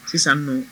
Sisan don